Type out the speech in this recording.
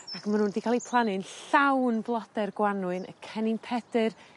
Ac ma' nw'n 'di ca'l eu plannu'n llawn blode'r gwanwyn y Cennin Pedyr